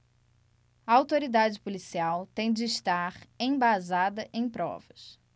a autoridade policial tem de estar embasada em provas